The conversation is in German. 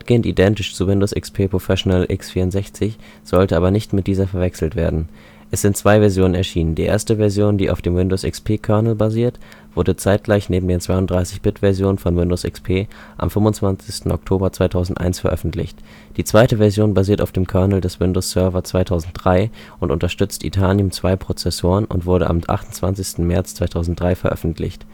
identisch zu Windows XP Professional x64, sollte aber nicht mit dieser verwechselt werden. Es sind zwei Versionen erschienen. Die erste Version, auf dem Windows XP-Kernel basierend, wurde zeitgleich neben den 32-Bit-Versionen von Windows XP am 25. Oktober 2001 veröffentlicht. Die zweite Version basiert auf dem Kernel des Windows Server 2003 und unterstützt Itanium 2-Prozessoren und wurde am 28. März 2003 veröffentlicht